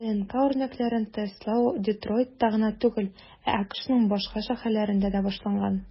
ДНК үрнәкләрен тестлау Детройтта гына түгел, ә АКШның башка шәһәрләрендә дә башланган.